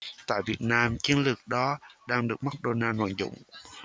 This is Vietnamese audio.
tại việt nam chiến lược đó đang được mcdonalds vận dụng